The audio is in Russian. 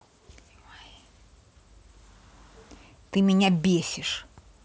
ты меня бесишь